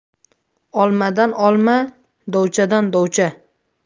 olmadan olma dovchadan dovcha